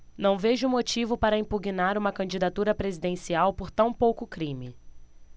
não vejo motivo para impugnar uma candidatura presidencial por tão pouco crime